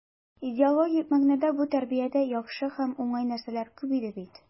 Идеологик мәгънәдә бу тәрбиядә яхшы һәм уңай нәрсәләр күп иде бит.